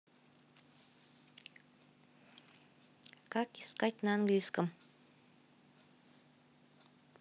как искать на английском